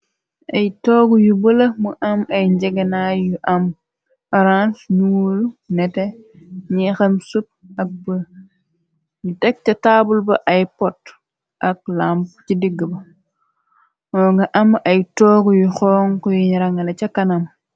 Ay toog yu bëla mu am ay njegena yu am arange ñuul nete ñi xam sub ak bë yu teg te taabul ba ay pot ak lamp ci digg ba mo nga am ay toog yu xon koyi rangale ca kanam.